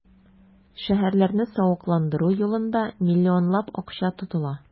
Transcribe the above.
Шәһәрләрне савыкландыру юлында миллионлап акча тотыла.